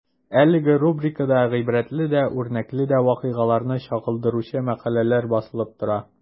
Әлеге рубрикада гыйбрәтле дә, үрнәкле дә вакыйгаларны чагылдыручы мәкаләләр басылып тора.